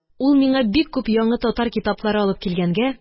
Ул миңа бик күп яңы татар китаплары алып килгәнгә